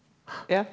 ja.